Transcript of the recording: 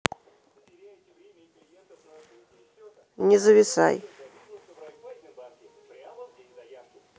не зависай